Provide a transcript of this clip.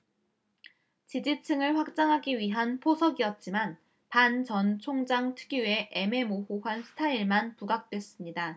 지지층을 확장하기 위한 포석이었지만 반 전 총장 특유의 애매모호한 스타일만 부각됐습니다